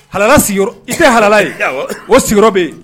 Hala sigiyɔrɔ i kɛ hala ye o sigiyɔrɔ bɛ yen.